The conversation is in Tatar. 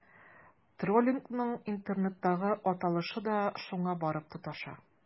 Троллингның интернеттагы аталышы да шуңа барып тоташа.